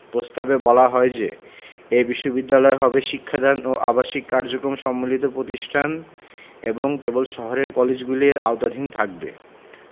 প্রস্তাবে বলা হয় যে এ বিশ্ববিদ্যালয় হবে শিক্ষাদান ও আবাসিক কার্যক্রম সম্বলিত প্রতিষ্ঠান এবং কেবল শহরের কলেজগুলি এর আওতাধীন থাকবে